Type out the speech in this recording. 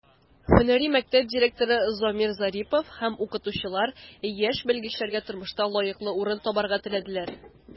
Һөнәри мәктәп директоры Замир Зарипов һәм укытучылар яшь белгечләргә тормышта лаеклы урын табарга теләделәр.